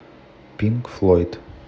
пинк флойд